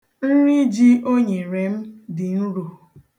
Nri ji o nyere m dị nro.